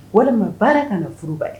Walima baara ka na furuba